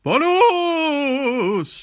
Bonws!